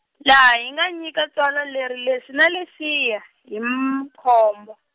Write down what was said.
laha hi nga nyika tsalwa leri leswi na leswiya, hi Mkhombo.